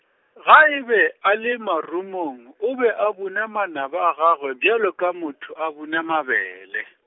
ga e be, a le marumong o be a buna manaba a gagwe bjalo ka motho a buna mabele.